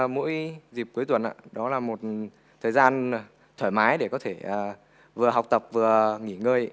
mỗi dịp cuối tuần ạ đó là một một thời gian thoải mái để có thể vừa học tập vừa nghỉ ngơi